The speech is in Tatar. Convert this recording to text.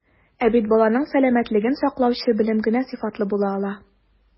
Ә бит баланың сәламәтлеген саклаучы белем генә сыйфатлы була ала.